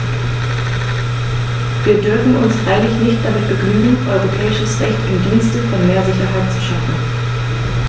Wir dürfen uns freilich nicht damit begnügen, europäisches Recht im Dienste von mehr Sicherheit zu schaffen.